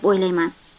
deb o'ylayman